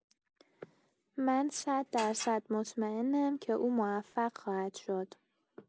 من صددرصد مطمئنم که او موفق خواهد شد.